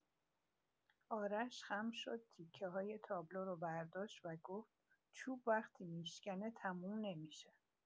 آرش خم شد، تیکه‌های تابلو رو برداشت و گفت: چوب وقتی می‌شکنه، تموم نمی‌شه.